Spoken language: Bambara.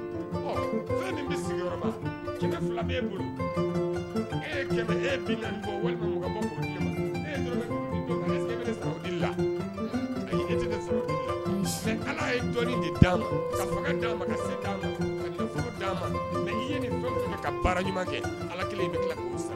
Ala ka se d ma i ye nin baara ɲuman kɛ ala kelen bɛ